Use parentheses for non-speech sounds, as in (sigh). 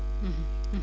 (hesitation) (hesitation)